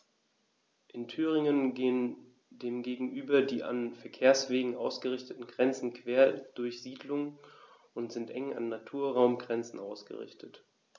In Thüringen gehen dem gegenüber die an Verkehrswegen ausgerichteten Grenzen quer durch Siedlungen und sind eng an Naturraumgrenzen ausgerichtet.